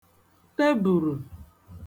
tebùrù